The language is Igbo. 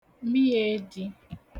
mièdī